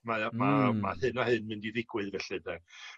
mae o ma' ma' hyn a hyn mynd i ddigwydd felly ynde.